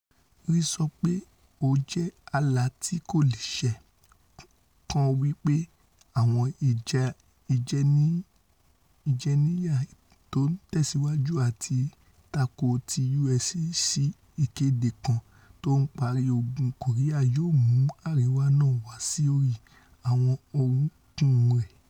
Ri sọ pé ó jẹ́ ''àlá tí kò leè ṣẹ'' kan wí pé àwọn ìjẹniníyà tó ńtẹ̀síwájú àti àtakò ti U.S. sí ìkéde kan tó ńparí Ogun Kòríà yóò mú Àríwá náà wá sórí àwọn orúnkún rẹ̀.